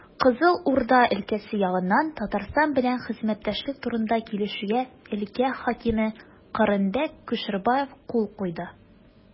Кызыл Урда өлкәсе ягыннан Татарстан белән хезмәттәшлек турында килешүгә өлкә хакиме Кырымбәк Кушербаев кул куйды.